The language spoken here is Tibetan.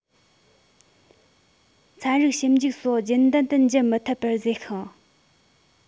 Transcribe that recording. ཚན རིག ཞིབ འཇུག སོགས རྒྱུན ལྡན དུ བགྱི མི ཐུབ པར བཟོས ཤིང